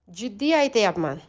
jiddiy aytyapman